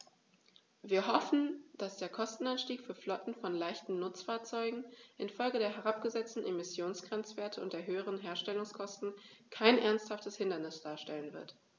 Wir hoffen, dass der Kostenanstieg für Flotten von leichten Nutzfahrzeugen in Folge der herabgesetzten Emissionsgrenzwerte und der höheren Herstellungskosten kein ernsthaftes Hindernis darstellen wird.